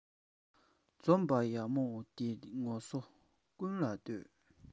འཛོམས པ ཡག མོ འདིའི ངོ སོ དགུང ལ བསྟོད